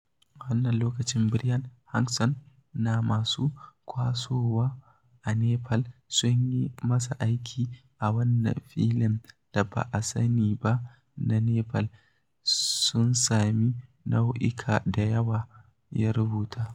A wannan lokacin Brian Hodgson na masu kwasowa a Nepali sun yi masa aiki a wannan filin da ba a sani ba na Nepal sun sami nau'ika da yawa, ya rubuta.